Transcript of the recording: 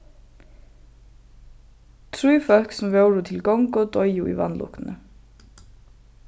trý fólk sum vóru til gongu doyðu í vanlukkuni